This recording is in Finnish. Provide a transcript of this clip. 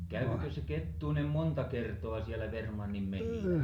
kävikös se Kettunen monta kertaa siellä Vermlannin metsillä